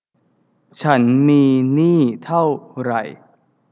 ฉันมีหนี้เท่าไหร่